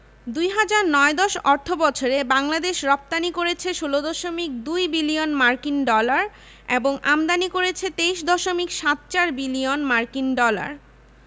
আমদানিঃ গম তৈলবীজ অপরিশোধিত পেট্রোলিয়াম ও পরিশোধিত পেট্রোলিয়াম জাতীয় পদার্থ তুলা ভোজ্যতেল সার সিমেন্ট সুতা বৈদেশিক বাণিজ্য